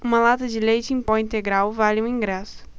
uma lata de leite em pó integral vale um ingresso